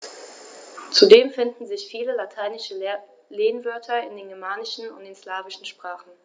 Zudem finden sich viele lateinische Lehnwörter in den germanischen und den slawischen Sprachen.